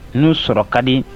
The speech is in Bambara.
N'u sɔrɔ ka di